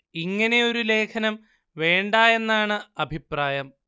ഇങ്ങനെ ഒരു ലേഖനം വേണ്ട എന്നാണ് അഭിപ്രായം